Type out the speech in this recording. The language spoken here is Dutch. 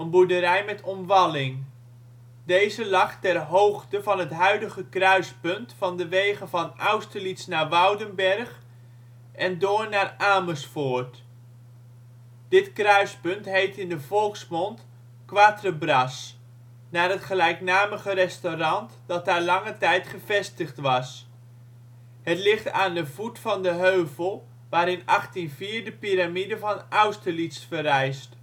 boerderij met omwalling). Deze lag ter hoogte van het huidige kruispunt van de wegen van Austerlitz naar Woudenberg (N224) en Doorn naar Amersfoort (N227). Dit kruispunt heet in de volksmond Quatre-Bras, naar het gelijknamige restaurant dat daar lange tijd gevestigd was. Het ligt aan de voet van de heuvel waar in 1804 de Pyramide van Austerlitz verrijst